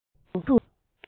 འཇིག རྟེན དུ